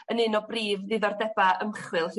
yn un o brif ddiddordeba ymchwil...